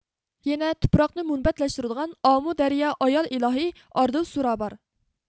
يەنە تۇپراقنى مۇنبەتلەشتۈرىدىغان ئامۇ دەريا ئايال ئىلاھى ئاردىۋسۇرا بار